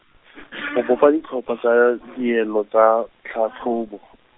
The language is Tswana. go bopa ditlhopha tsa a-, dielo tsa, tlhatlhobo.